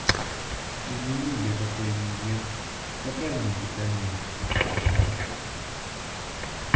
извини я такое не я мне на правильном питании а там одни посуды